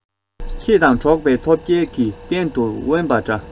ཁྱེད དང འགྲོགས པའི ཐོབ སྐལ གྱིས གཏན དུ དབེན པ འདྲ